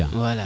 wala